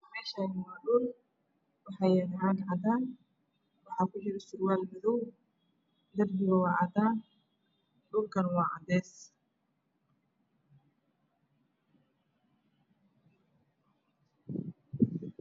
Meeshani waa hool waxaa yaaalo cadana ah waxaa kujiro surwla darbiga wa cadaan dhulkana waa cadaysi